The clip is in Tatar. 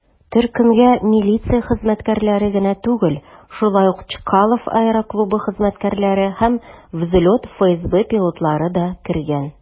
Төркемгә милиция хезмәткәрләре генә түгел, шулай ук Чкалов аэроклубы хезмәткәрләре һәм "Взлет" ФСБ пилотлары да кергән.